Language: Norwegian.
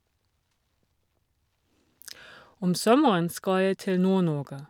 Om sommeren skal jeg til Nord-Norge.